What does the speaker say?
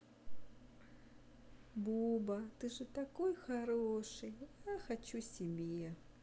буба ты же такой хороший я хочу себе